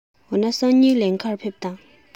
འོ ན སང ཉིན ལེན ག ཕེབས དང